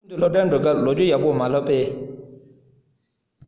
ཆུང དུས སློབ གྲྭར འགྲོ སྐབས ལོ རྒྱུས ཡག པོ མ སློབ པ